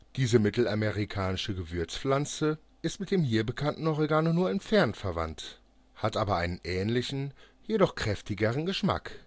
Diese mittelamerikanische Gewürzpflanze ist mit dem hier bekannten Oregano nur entfernt verwandt, hat aber einen ähnlichen, jedoch kräftigeren Geschmack